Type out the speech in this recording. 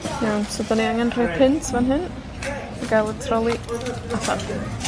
Iawn so 'dan ni angen rhoi punt fan hyn, i ga'l y troli allan.